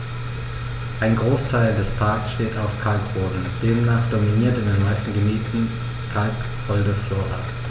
Ein Großteil des Parks steht auf Kalkboden, demnach dominiert in den meisten Gebieten kalkholde Flora.